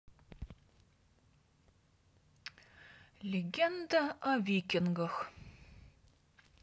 легенда о викингах